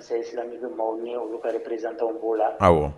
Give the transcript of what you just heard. Sisan n bɛ maaw ɲɛ olu kareereztanw b'o la